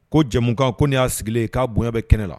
Ko jamukan ko ne y'a sigilen k'a bonya bɛ kɛnɛ la